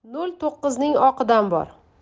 nol to'qqizning oqidan bor